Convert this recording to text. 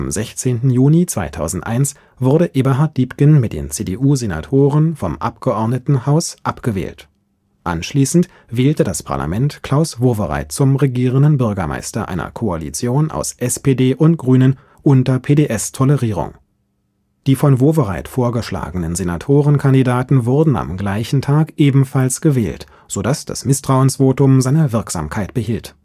16. Juni 2001 wurde Eberhard Diepgen mit den CDU-Senatoren vom Abgeordnetenhaus abgewählt. Anschließend wählte das Parlament Klaus Wowereit zum Regierenden Bürgermeister einer Koalition aus SPD und Grünen unter PDS-Tolerierung. Die von Wowereit vorgeschlagenen Senatorkandidaten wurden am gleichen Tag ebenfalls gewählt, sodass das Misstrauensvotum seine Wirksamkeit behielt